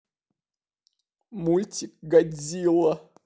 мультик годзилла